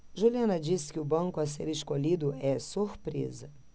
juliana disse que o banco a ser escolhido é surpresa